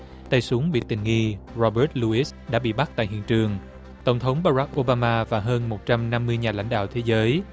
tay súng bị tình nghi ro bớt lu ít đã bị bắt tại hiện trường tổng thống ba rách ô ba ma và hơn một trăm năm mươi nhà lãnh đạo thế giới